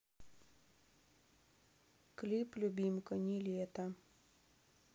клип любимка нилетто